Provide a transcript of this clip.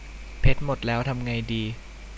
เพชรหมดแล้วทำไงดี